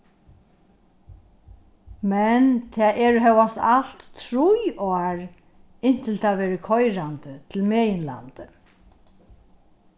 men tað eru hóast alt trý ár inntil tað verður koyrandi til meginlandið